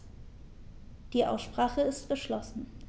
Die Aussprache ist geschlossen.